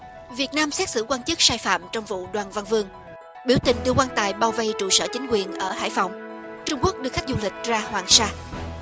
việt nam xét xử quan chức sai phạm trong vụ đoàn văn vươn biểu tình đưa quan tài bao vây trụ sở chính quyền ở hải phòng trung quốc đưa khách du lịch ra hoàng sa